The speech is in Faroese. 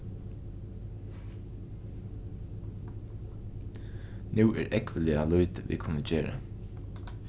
nú er ógvuliga lítið vit kunnu gera